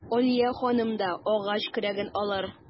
Алия ханым да агач көрәген алыр.